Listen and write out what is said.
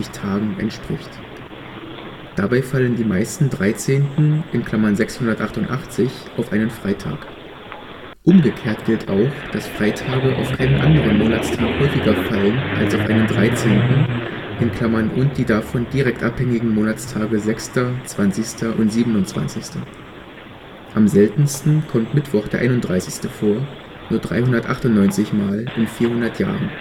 Tagen) entspricht. Dabei fallen die meisten Dreizehnten (688) auf einen Freitag. Umgekehrt gilt auch, dass Freitage auf keinen anderen Monatstag häufiger fallen als auf einen 13. (und die davon direkt abhängigen Monatstage 6., 20. und 27.). Am seltensten kommt Mittwoch der 31. vor, nur 398-mal in 400 Jahren